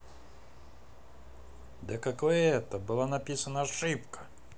да какое это было написано ошибка